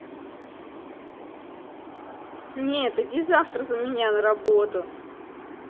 нет иди завтра за меня на работу